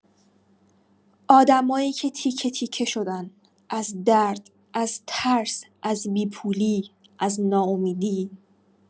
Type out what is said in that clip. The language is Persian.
آدم‌هایی که تیکه‌تیکه شدن، از درد، از ترس، از بی‌پولی، از ناامیدی.